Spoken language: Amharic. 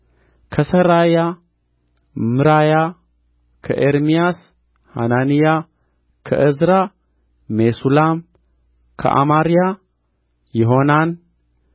ከሠራያ ምራያ ከኤርምያስ ሐናንያ ከዕዝራ ሜሱላም ከአማርያ ይሆሐናን